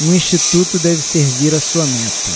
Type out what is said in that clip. um instituto deve servir à sua meta